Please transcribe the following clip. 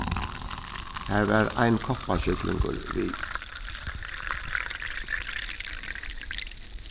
har var ein koppasjúklingur við